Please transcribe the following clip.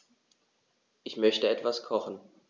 Ich möchte etwas kochen.